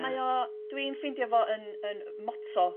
...mae o... Dwi'n ffeindio fo yn yn motto.